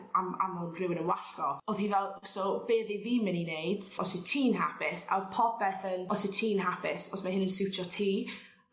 an- anfon rhywun yn wallgo. O'dd hi fel so be' fy' fi myn' i neud os wyt ti'n hapus a o'dd popeth yn os yt ti'n hapus os ma' hyn yn siwtio ti